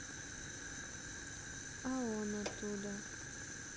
а он оттуда